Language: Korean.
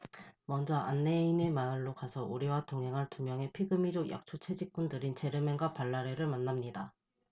먼저 안내인의 마을로 가서 우리와 동행할 두 명의 피그미족 약초 채집꾼들인 제르멘과 발라레를 만납니다